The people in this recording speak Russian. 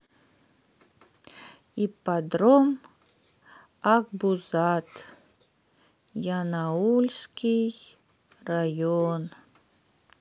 ипподром акбузат яноульский район